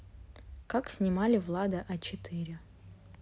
как снимали влада а четыре